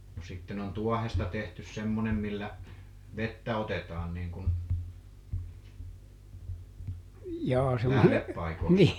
no sitten on tuohesta tehty semmoinen millä vettä otetaan niin kun lähdepaikoista